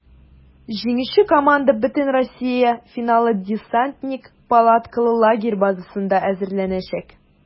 Җиңүче команда бөтенроссия финалына "Десантник" палаткалы лагере базасында әзерләнәчәк.